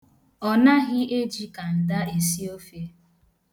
Ọ naghị eji kanda esi ofe.